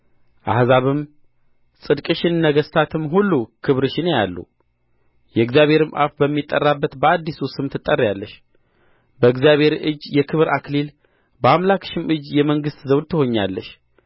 አሕዛብም ጽድቅሽን ነገሥታትም ሁሉ ክብርሽን ያያሉ የእግዚአብሔርም አፍ በሚጠራበት በአዲሱ ስም ትጠሪያለሽ በእግዚአብሔር እጅ የክብር አክሊል በአምላክሽም እጅ የመንግሥት ዘውድ ትሆኛለሽ